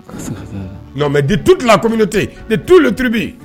Mɛ di tu ki kɔmi ten tu tibi